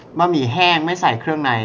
บะหมี่แห้งไม่ใส่เครื่องใน